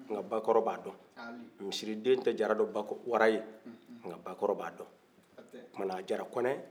nka bakɔrɔ bɛ a dɔn misiri den tɛ jara dɔn bak wara ye nka bakɔrɔ bɛ a dɔn ɔɔ kumana jara-kɔnɛ